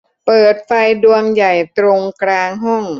เปิดไฟดวงใหญ่ตรงกลางห้อง